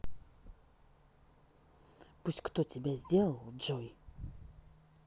пусть кто тебя сделал джой